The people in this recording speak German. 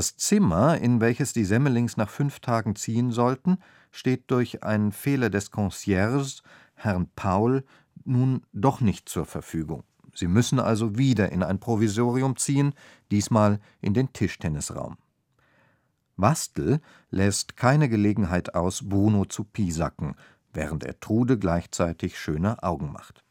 Zimmer, in welches die Semmelings nach fünf Tagen ziehen sollten, steht durch einen Fehler des Concierges Paul nun doch nicht zur Verfügung. Sie müssen also wieder in ein Provisorium ziehen, diesmal in den Tischtennisraum. Wastl läßt keine Gelegenheit aus, Bruno zu piesacken, während er Trude gleichzeitig schöne Augen macht